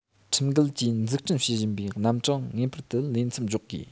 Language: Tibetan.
ཁྲིམས འགལ གྱིས འཛུགས སྐྲུན བྱེད བཞིན པའི རྣམ གྲངས ངེས པར དུ ལས མཚམས འཇོག དགོས